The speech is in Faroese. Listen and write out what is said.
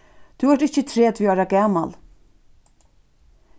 tú ert ikki tretivu ára gamal